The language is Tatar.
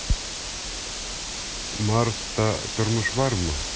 "марста тормыш бармы?"